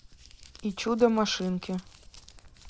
и чудо машинки